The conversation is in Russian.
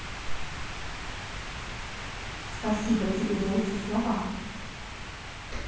спасибо тебе за эти слова